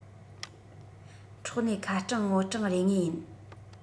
འཕྲོག ནས ཁ སྐྲང ངོ སྐྲང རེད ངེས ཡིན